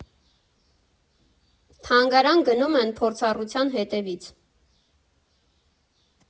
Թանգարան գնում են փորձառության հետևից։